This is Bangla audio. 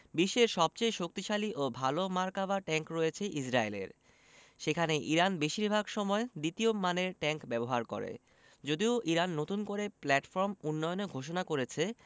বিশ্বের সবচেয়ে শক্তিশালী ও ভালো মার্কাভা ট্যাংক রয়েছে ইসরায়েলের সেখানে ইরান বেশির ভাগ সময় দ্বিতীয় মানের ট্যাংক ব্যবহার করে যদিও ইরান নতুন করে প্ল্যাটফর্ম উন্নয়নের ঘোষণা করেছে